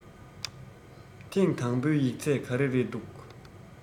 ཐེང དང པོའི ཡིག ཚད ག རེ རེད འདུག